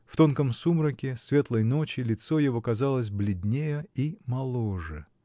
в тонком сумраке светлой ночи лицо его казалось бледнее и моложе.